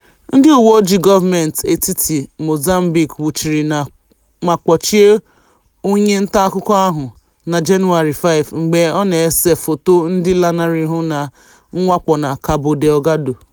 Ndị uweojii gọọmentị etiti Mozambique nwụchiri ma kpochie onye ntaakụkọ ahụ na Jenụwarị 5, mgbe ọ na-ese foto ndị lanarịrịnụ na mwakpo na Cabo Delgado.